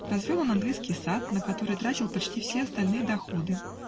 Развел он английский сад, на который тратил почти все остальные доходы.